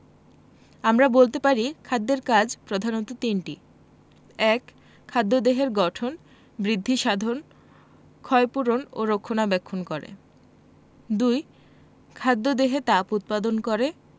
আমরা বলতে পারি খাদ্যের কাজ প্রধানত তিনটি ১. খাদ্য দেহের গঠন বৃদ্ধিসাধন ক্ষয়পূরণ ও রক্ষণাবেক্ষণ করে ২. খাদ্য দেহে তাপ উৎপাদন করে